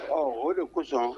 Ɔ o de kosɔn